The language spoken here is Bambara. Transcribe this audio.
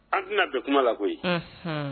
An tena bɛn kuma la koyi unhun